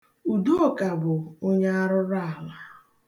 Udoka bụ onye arụrụala.